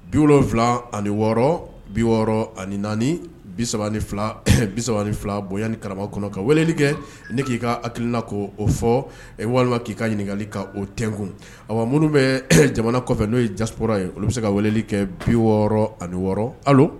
Bi wolonwula ani wɔɔrɔ bi wɔɔrɔ ani naani bi3 fila bisa fila bo ni kara kɔnɔ ka weleli kɛ ne k'i ka hakilikiina ko o fɔ walima k'i ka ɲininkali ka o tkun a minnu bɛ jamana kɔfɛ n'o ye ye olu bɛ se ka weleli kɛ bi wɔɔrɔ ani wɔɔrɔ hali